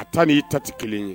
A taa n'i ta tɛ kelen ye